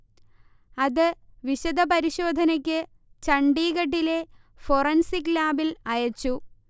അത് വിശദപരിശോധനയ്ക്ക് ചണ്ഡീഗഢിലെ ഫൊറൻസിക് ലാബിൽ അയച്ചു